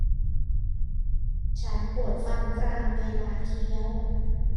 ฉันปวดฟันกรามเวลาเคี้ยว